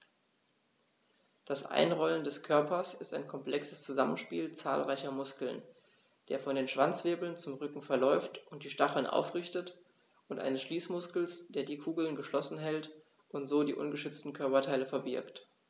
Das Einrollen des Körpers ist ein komplexes Zusammenspiel zahlreicher Muskeln, der von den Schwanzwirbeln zum Rücken verläuft und die Stacheln aufrichtet, und eines Schließmuskels, der die Kugel geschlossen hält und so die ungeschützten Körperteile verbirgt.